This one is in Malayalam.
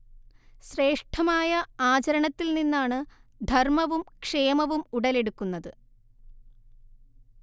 ശ്രഷ്ഠമായ ആചരണത്തിൽ നിന്നും ധർമ്മവും, ക്ഷേമവും ഉടലെടുക്കുന്നത്